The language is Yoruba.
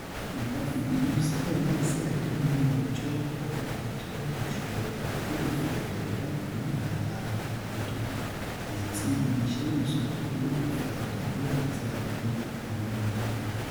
Bí UK bá fi EU sílẹ̀ láìsí àdéhùn ní ọjọ́ 29 oṣù Kẹta, ó lè fa ìdàrúdàpọ̀ ní ààlà ibodè, èyí tí ilé-iṣẹ́ náà sọ pé ó lè fa ìdàdúró àti àìtó àwọn ohun èlò.